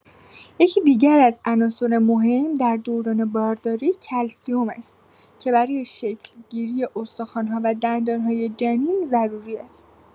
یکی دیگر از عناصر مهم در دوران بارداری کلسیم است که برای شکل‌گیری استخوان‌ها و دندان‌های جنین ضروری است.